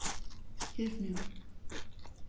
Hilf mir!